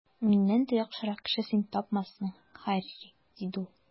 Миннән дә яхшырак кешене син тапмассың, Һарри, - диде ул.